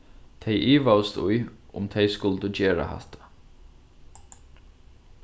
tey ivaðust í um tey skuldu gera hatta